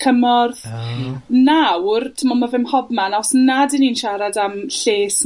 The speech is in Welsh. cymorth. Oh. Nawr, t'mod ma' fe ym mhobman. Os nad 'yn ni'n siarad am lles